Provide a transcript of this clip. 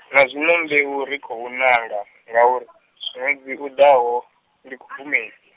na zwino mbeu ri khou nanga, ngauri, ṅwedzi uḓaho, ndi Khubvumedzi.